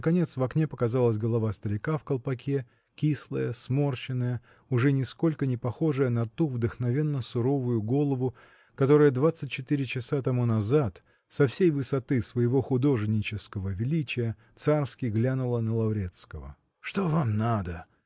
наконец в окне показалась голова старика в колпаке, кислая, сморщенная, уже нисколько не похожая на ту вдохновенно суровую голову, которая, двадцать четыре часа тому назад, со всей высоты своего художнического величия царски глянула на Лаврецкого. -- Что вам надо?